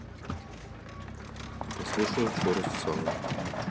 послушаем форест саунд